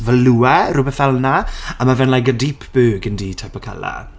Velour? Rhywbeth fel 'na? A ma' fe'n like a deep burgundy type of colour.